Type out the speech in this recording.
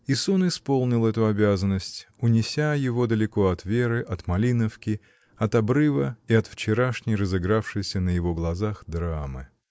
И сон исполнил эту обязанность, унеся его далеко от Веры, от Малиновки, от обрыва и от вчерашней разыгравшейся на его глазах драмы.